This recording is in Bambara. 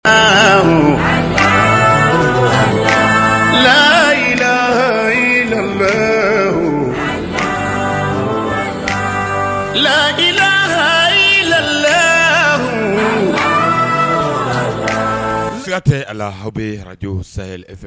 Laki laki leiga tɛ ala aw bɛ hajw sa fɛ